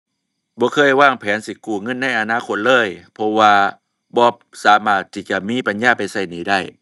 บ่เคยวางแผนสิกู้เงินในอนาคตเลย เพราะว่าบ่สามารถที่จะมีปัญญาไปใช้หนี้ได้